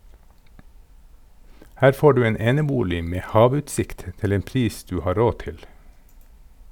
Her får du enebolig med havutsikt til en pris du har råd til.